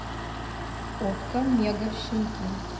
окко мега щенки